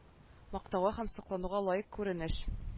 Мактауга һәм соклануга лаек күренеш